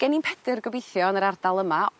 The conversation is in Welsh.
gennin Pedyr gobeithio yn yr ardal yma